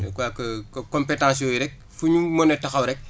je crois que que compétence yooyu rek fu ñu mën a taxaw rek